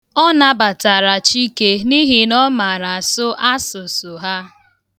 Ha nabatara Chike n'ihi na ọ mara asụ asụsụ ha.